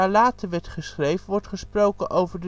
later werd geschreven, wordt gesproken over